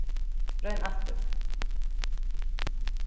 royn aftur